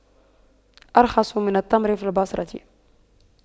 أرخص من التمر في البصرة